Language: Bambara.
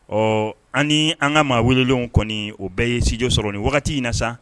Ɔ an ni an ka maa welelenw kɔni o bɛɛ ye studio sɔrɔ nin wagati in na sa